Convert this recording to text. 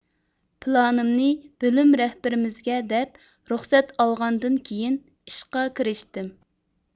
پىلانىمنى بۆلۈم رەھبىرىمىزگە دەپ رۇخسەت ئالغاندىن كېيىن ئىشقا كىرىشتىم